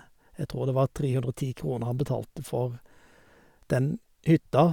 Jeg tror det var tre hundre og ti kroner han betalte for den hytta.